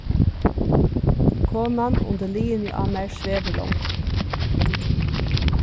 konan undir liðini á mær svevur longu